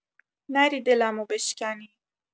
نری دلمو بشکنی